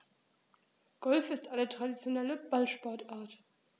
Golf ist eine traditionelle Ballsportart.